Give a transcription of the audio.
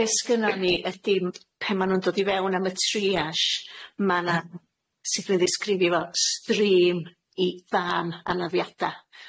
Be' sgynnon ni ydi p- pan ma' nw'n dod i fewn am y triadge ma' 'na sud dwi'n ddisgrifio fo, fel stream i dân anafiada.